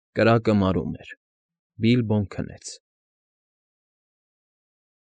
Կրակը մարում էր։ Բիլբոն քնեց։